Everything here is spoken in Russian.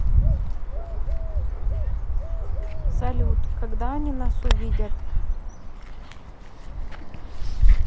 салют когда они нас увидят